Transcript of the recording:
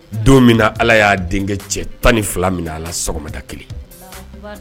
Don min ala y'a denkɛ cɛ tan ni fila min na ala sɔgɔmata kelen